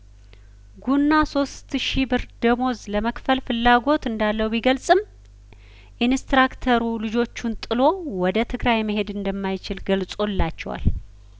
ጉና ሶስት ሺ ብር ደሞዝ ለመክፈል ፍላጐት እንዳለው ቢገልጽም ኢንስትራክተሩ ልጆቹን ጥሎ ወደ ትግራይ መሄድ እንደማይችል ገልጾላቸዋል